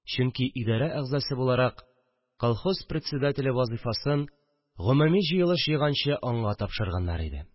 Чөнки, идәрә агзасы буларак, колхоз председателе вазифасын гомуми җыелыш жыйганчы аңа тапшырганнар иде